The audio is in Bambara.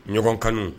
Ɲɔgɔn kan